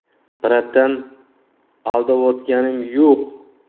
bratan aldavotganim yo'q